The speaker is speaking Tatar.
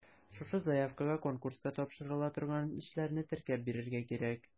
Шушы заявкага конкурска тапшырыла торган эшләрне теркәп бирергә кирәк.